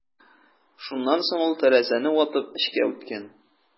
Шуннан соң ул тәрәзәне ватып эчкә үткән.